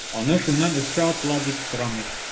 Аны шуннан өскә атыла дип торам ич.